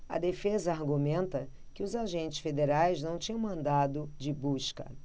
a defesa argumenta que os agentes federais não tinham mandado de busca